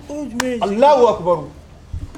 O lawa